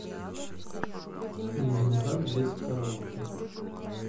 ленинград без караоке